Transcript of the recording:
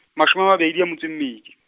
mashome a mabedi a metso e mmedi.